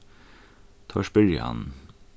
teir spyrja hann